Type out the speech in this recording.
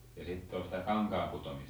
ja sitten oli sitä kankaankutomista